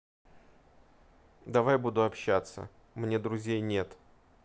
давай буду с тобой общаться мне друзей нет